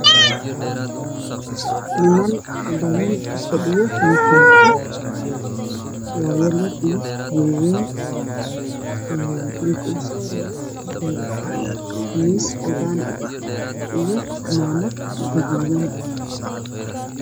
Meeshaan waxaa joogo nin dad badan waxaa lagu soo horay saddex cuno taasna guud ah khamiis madaxa ayuu gacanta ku haystaa